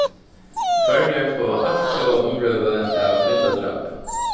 føroyar fáa altjóða umrøðu av grindadrápi